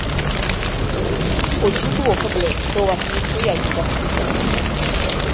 очень плохо блядь что у вас нихуя не доступно